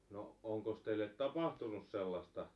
no onkos teille tapahtunut sellaista